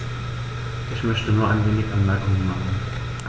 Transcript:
Ich möchte nur wenige Anmerkungen machen.